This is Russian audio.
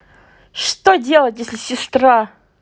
что делать если сестра